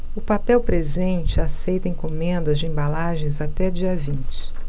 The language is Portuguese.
a papel presente aceita encomendas de embalagens até dia vinte